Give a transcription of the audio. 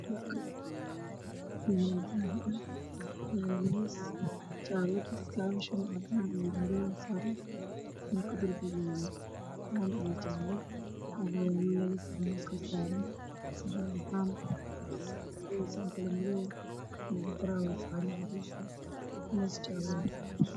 Halkaan waxaa ka muuqdo miis cadays iyo madaw ah waxaana saaran saxan cad saxanka cad waxaa kor saaran weel qalin oo ay ku jiraan qudaar sida mooska